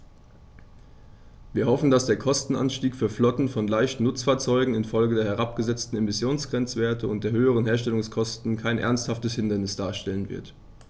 Wir hoffen, dass der Kostenanstieg für Flotten von leichten Nutzfahrzeugen in Folge der herabgesetzten Emissionsgrenzwerte und der höheren Herstellungskosten kein ernsthaftes Hindernis darstellen wird.